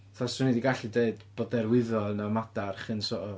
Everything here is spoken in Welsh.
Fatha 'swn i 'di gallu deud bod derwyddon a madarch yn sort of...